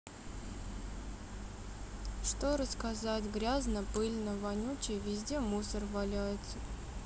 что рассказать грязно пыльно вонючий везде мусор валяется